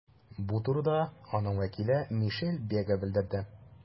Бу турыда аның вәкиле Мишель Бега белдерде.